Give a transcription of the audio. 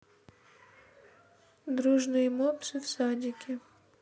дружные мопсы в садике